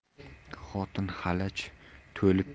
xotin xalaj to'lib